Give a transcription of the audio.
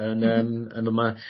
...yn yym yn yma.